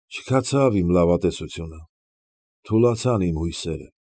Չքացավ իմ լավատեսությունը, թուլացան իմ հույսերը։